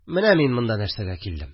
Менә мин монда нәрсәгә килдем